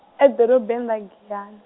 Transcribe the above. edorobeni ra Giyani.